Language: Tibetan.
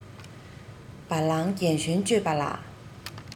བ ལང རྒན གཞོན དཔྱོད པ ལ